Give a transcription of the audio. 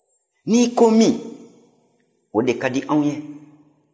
ni e ko min o de ka di anw ye